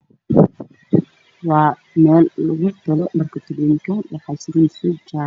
Waa meel lagu tolo dharka tolinka waxa suran suud jaale ah